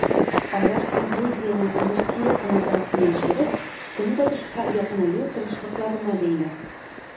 Алар Грузиянең Русия канаты астыннан чыгып, Көнбатышка якынаю тырышлыкларына бәйле.